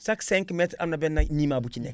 chaque 5 mètre am na benn niimaa bu ci nekk